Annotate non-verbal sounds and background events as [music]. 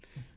[hesitation] [hesitation]